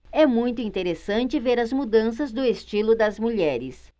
é muito interessante ver as mudanças do estilo das mulheres